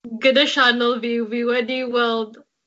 Gyda sianel fi fi wedi weld